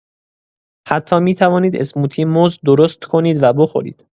حتی می‌توانید اسموتی موز درست کنید و بخورید.